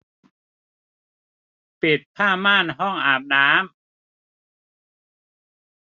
ปิดผ้าม่านห้องอาบน้ำ